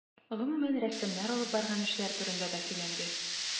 Гомүмән, рәссамнар алып барган эшләр турында да сөйләнде.